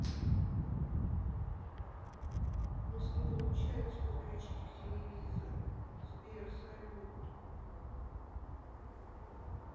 у нас не получается подключить к телевизору сбер салют